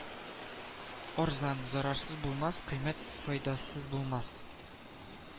Арзан зарарсыз булмас, кыйммәт файдасыз булмас